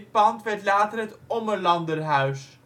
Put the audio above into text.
pand werd later het Ommelanderhuis